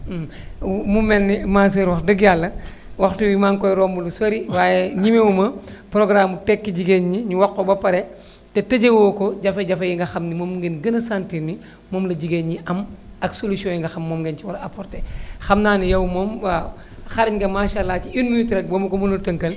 mu mel ne ma soeur wax na ko wax dëgg yàlla waxtu wi maa ngi koy romb lu sori waaye ñemewuma programme mu tekki jigéen ñi ñu wax ko ba pare te tëjee woo ko jafe-jafe yi nga xam ne moom ngeen gën a sentir ni moom la jigéen ñi am ak solution yi nga xam moom lañ ci war a apporté xam naa ne yow moom waw xarañ nga macha allah ci une minute rek boo ma ko mënoon tënkal